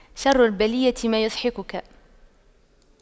شر البلية ما يضحك